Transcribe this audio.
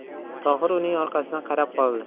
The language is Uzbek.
tohir uning orqasidan qarab qoldi